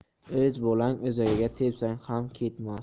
o'z bolang o'zagiga tepsang ham ketmas